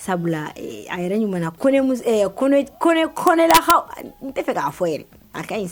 Sabula ee a yɛrɛ ɲumana Kone mus ɛɛ Kone c Kone Konela kaw hay n te fɛ k'a fɔ yɛrɛ a kaɲi s